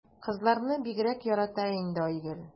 Казларны бигрәк ярата инде Айгөл.